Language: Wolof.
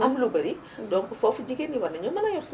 am lu bari donc foofu jigéen ñi war nañu mën a yor suuf